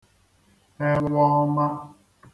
ewọọ̄mā